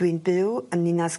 Dwi'n byw yn ninas...